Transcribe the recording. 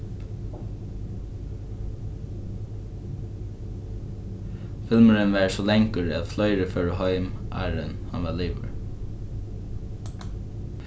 filmurin var so langur at fleiri fóru heim áðrenn hann var liðugur